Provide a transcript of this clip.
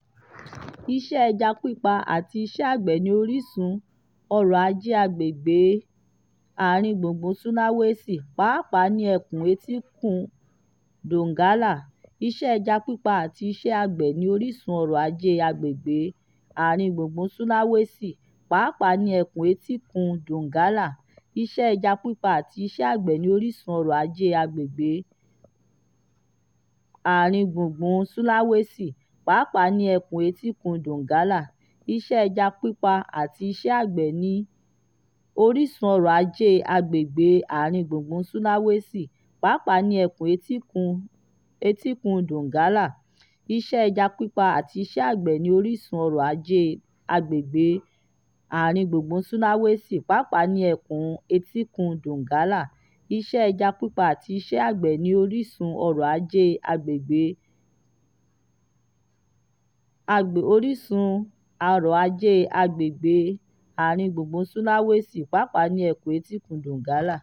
Iṣẹ́ ẹja pípa àti iṣẹ́ àgbẹ̀ ni orísun ọrọ̀ ajé àgbègbè Central Sulawesi, pàápàá ní ẹkùn etíkun Donggala.